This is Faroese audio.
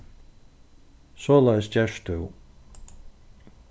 soleiðis gert tú